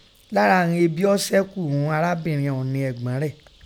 Lara ìghọn ebi o ṣẹ́kù ún arabinrin ọ̀ún ni ẹgbọn rẹ.